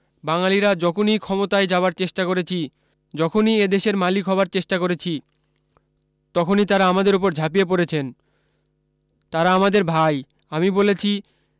বাঙ্গালীরা যখনই ক্ষমতায় যাবার চেষ্টা করেছি যখনই এ দেশের মালিক হবার চেষ্টা করেছি তখনই তারা আমাদের উপর ঝাঁপিয়ে পড়েছেন তারা আমাদের ভাই আমি বলেছি